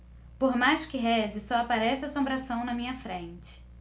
por mais que reze só aparece assombração na minha frente